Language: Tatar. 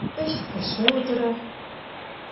Өч кеше утыра.